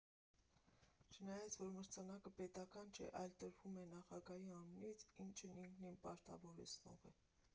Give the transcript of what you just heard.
֊ Չնայած որ մրցանակը պետական չէ, այն տրվում է նախագահի անունից, ինչն ինքնին պարտավորեցնող է։